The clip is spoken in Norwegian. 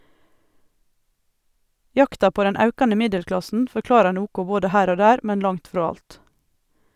Jakta på den aukande middelklassen forklarar noko både her og der, men langt frå alt.